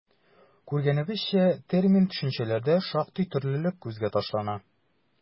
Күргәнебезчә, термин-төшенчәләрдә шактый төрлелек күзгә ташлана.